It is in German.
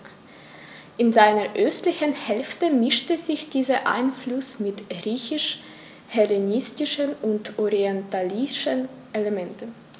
In seiner östlichen Hälfte mischte sich dieser Einfluss mit griechisch-hellenistischen und orientalischen Elementen.